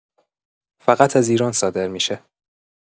فقط از ایران صادر می‌شه